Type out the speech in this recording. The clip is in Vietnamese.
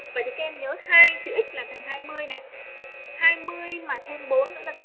em nhớ hai chữ x là thành nè mà thêm nữa